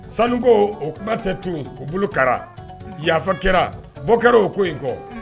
Sanuko o kuma tɛ tun k'u bolo kɛra yafafa kɛra bɔ kɛra o ko in kɔ